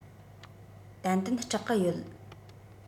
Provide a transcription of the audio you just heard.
ཏན ཏན སྐྲག གི ཡོད